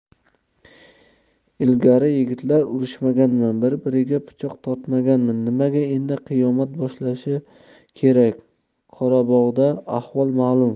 ilgari yigitlar urishmaganmi bir biriga pichoq tortmaganmi nimaga endi qiyomat boshlanishi kerak qorabog'dagi ahvol ma'lum